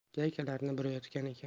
gaykalarini burayotgan ekan